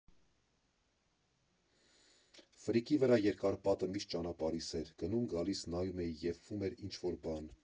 Ֆրիկի վրա երկար պատը միշտ ճանապարհիս էր, գնում֊գալիս, նայում էի, եփվում էր ինչ֊որ բան։